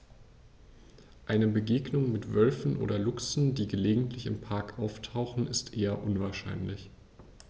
Eine Begegnung mit Wölfen oder Luchsen, die gelegentlich im Park auftauchen, ist eher unwahrscheinlich.